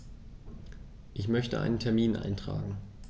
Ich möchte einen Termin eintragen.